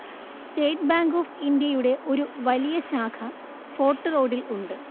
state Bank of ഇന്ത്യയുടെ ഒരു വലിയ ശാഖ ഫോര്‍ട്ട് റോഡില്‍ ഉണ്ട്